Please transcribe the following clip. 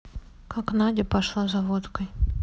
как надя пошла за водкой